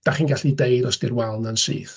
Dach chi'n gallu deud os di'r wal yna'n syth.